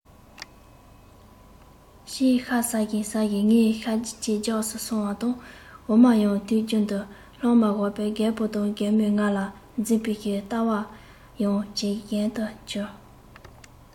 བྱིའུ ཤ ཟ བཞིན ཟ བཞིན ངའི ཤ ཇེ རྒྱགས སུ སོང བ དང འོ མ ཡང དུས རྒྱུན དུ ལྷག མ བཞག པས རྒད པོ དང རྒན མོས ང ལ འཛིན པའི ལྟ བ ཡང ཇེ ཞན དུ གྱུར